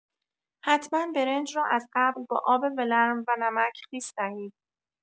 حتما برنج را از قبل با آب ولرم و نمک خیس دهید.